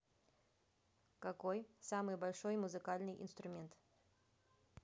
какой самый большой музыкальный инструмент